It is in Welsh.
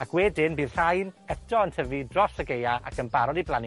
Ac wedyn bydd rhain, eto yn tyfu dros y gaea, ac yn barod i blannu